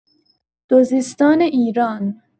دوزیستان ایران